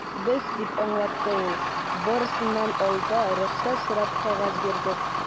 Без, - дип аңлатты ул, - барысыннан алда рөхсәт сорап кәгазь бирдек.